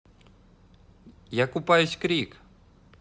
я купаюсь крик